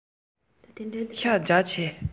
ཤ རྒྱགས པ ལ